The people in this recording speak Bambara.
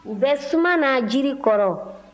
u bɛ suma na jiri kɔrɔ